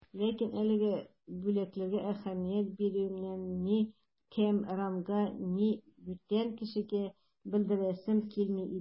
Ләкин әлеге бүләкләргә әһәмият бирүемне ни Кәмранга, ни бүтән кешегә белдерәсем килми иде.